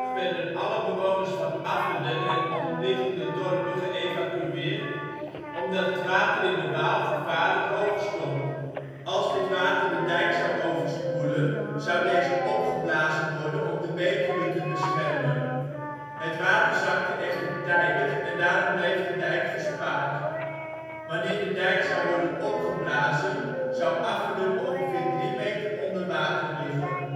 werden alle bewoners van Afferden en omliggende dorpen geëvacueerd omdat het water in de Waal gevaarlijk hoog stond. Als dit het water de dijk zou overspoelen, zou deze opgeblazen worden om de Betuwe te beschermen. Het water zakte echter tijdig en daarom bleef de dijk gespaard. Wanneer de dijk zou worden opgeblazen, zou Afferden ongeveer drie meter onder water liggen